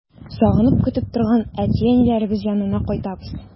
Сагынып көтеп торган әти-әниләребез янына кайтабыз.